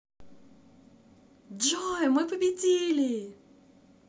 джой мы победили